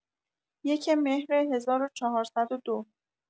۱ مهر ۱۴۰۲